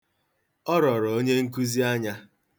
Ọ rọrọ onye nkụzi anya.